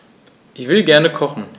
Ich will gerne kochen.